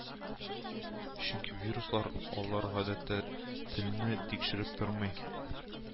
Чөнки вируслар алар гадәттә телне тикшереп тормый